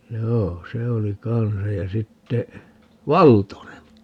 joo se oli kanssa ja sitten Valtonen